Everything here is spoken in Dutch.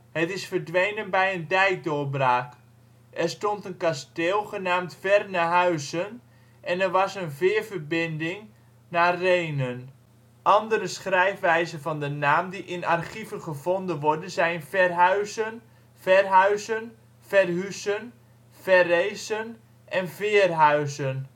Het is verdwenen bij een dijkdoorbraak. Er stond een kasteel genaamd Vernehuysen, en er was een veerverbinding naar Rhenen. Andere schrijfwijzen van de naam die in archieven gevonden worden zijn Verhuijsen, Verhuysen, Verhusen, Verresen en Veerhuizen